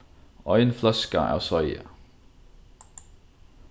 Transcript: ein fløska av soya